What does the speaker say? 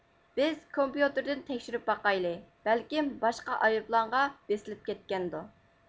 بىز كومپيۇتېردىن تەكشۈرۈپ باقايلى بەلكىم باشقا ئايروپىلانغا بېسىلىپ كەتكەندۇ